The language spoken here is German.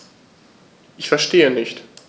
Ich verstehe nicht.